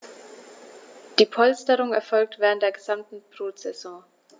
Diese Polsterung erfolgt während der gesamten Brutsaison.